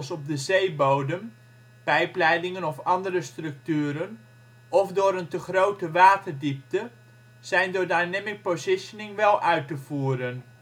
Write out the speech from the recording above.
op de zeebodem (pijpleidingen of andere structuren), of door een te grote waterdiepte – zijn door dynamic positioning wel uit te voeren